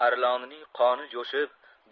arlonining qoni jo'shib